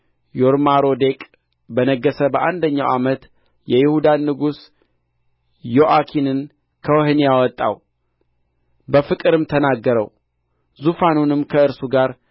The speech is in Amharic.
ዮርማሮዴቅ በነገሠ በአንደኛው ዓመት የይሁዳ ንጉሥ ዮአኪንን ከወህኒ አወጣው በፍቅርም ተናገረው ዙፋኑንም ከእርሱ ጋር